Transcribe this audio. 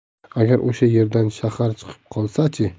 agar o'sha yerdan shahar chiqib qolsa chi